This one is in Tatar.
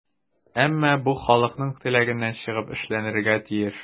Әмма бу халыкның теләгеннән чыгып эшләнергә тиеш.